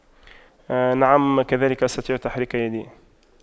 نعم كذلك أستطيع تحريك يدي